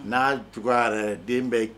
N'a juguyala yɛrɛ den bɛ